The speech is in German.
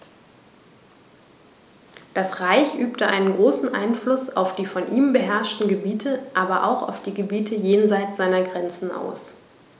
Das Reich übte einen großen Einfluss auf die von ihm beherrschten Gebiete, aber auch auf die Gebiete jenseits seiner Grenzen aus.